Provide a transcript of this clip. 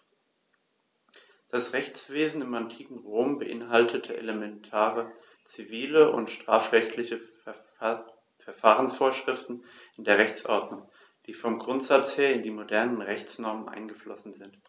Das Rechtswesen im antiken Rom beinhaltete elementare zivil- und strafrechtliche Verfahrensvorschriften in der Rechtsordnung, die vom Grundsatz her in die modernen Rechtsnormen eingeflossen sind.